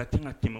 A tɛ n ka tɛmɛ